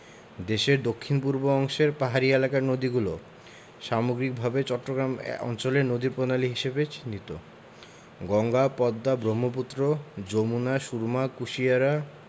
দেশের দক্ষিণ পূর্ব অংশের পাহাড়ী এলাকার নদীগুলো সামগ্রিকভাবে চট্টগ্রাম অঞ্চলের নদীপ্রণালী হিসেবে চিহ্নিত গঙ্গা পদ্মা ব্রহ্মপুত্র যমুনা সুরমা কুশিয়ারা